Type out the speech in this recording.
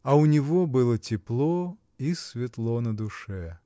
А у него было тепло и светло на душе.